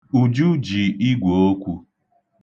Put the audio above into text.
Uju ji igwòokwū.